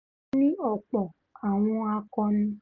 Ó ní ọ̀pọ̀ àwọn akọni.